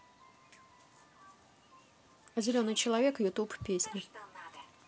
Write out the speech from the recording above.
зеленый человек ютуб песня